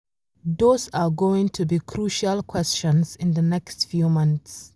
Those are going to be crucial questions in the next few months.